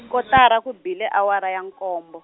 kotara ku bile awara ya nkombo.